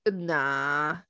Yy na.